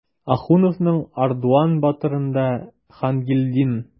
Ахуновның "Ардуан батыр"ында Хангилдин.